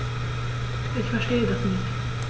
Ich verstehe das nicht.